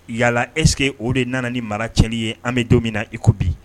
Yala eske o de nana ni mara cɛ ye an bɛ don min na iko bi